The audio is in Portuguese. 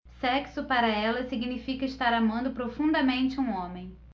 sexo para ela significa estar amando profundamente um homem